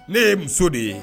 Ne ye muso de ye